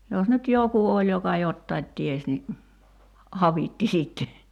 jos nyt joku oli joka jotakin tiesi niin avitti sitten